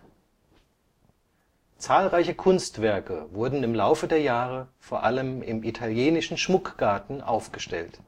Zahlreiche Kunstwerke wurden im Laufe der Jahre, vor allem im Italienischen Schmuckgarten, aufgestellt